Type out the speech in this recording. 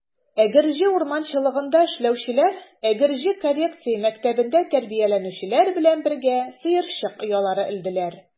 Әгерҗе урманчылыгында эшләүчеләр Әгерҗе коррекция мәктәбендә тәрбияләнүчеләр белән бергә сыерчык оялары элделәр.